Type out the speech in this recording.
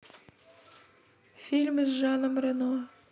фильмы с жаном рено